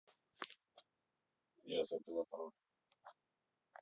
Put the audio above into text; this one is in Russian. я забыла пароль